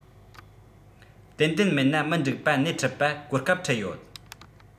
ཏན ཏན མེད ན མི འགྲིག པ སྣེ ཁྲིད པ གོ སྐབས འཕྲད ཡོད